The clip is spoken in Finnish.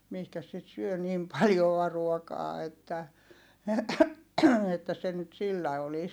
mihinkäs sitä syö niin paljoa ruokaa että että se nyt sillä olisi